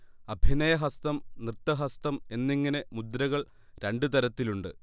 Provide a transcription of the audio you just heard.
അഭിനയഹസ്തം, നൃത്തഹസ്തം എന്നിങ്ങനെ മുദ്രകൾ രണ്ട് തരത്തിലുണ്ട്